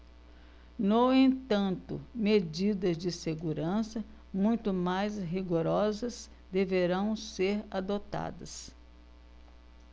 no entanto medidas de segurança muito mais rigorosas deverão ser adotadas